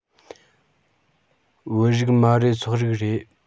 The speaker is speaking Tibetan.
བོད རིགས མ རེད སོག རིགས རེད